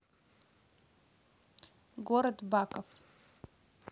город баков